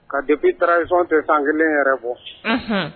Ka dibi tarawelesisɔn tɛ fan kelen yɛrɛ bɔ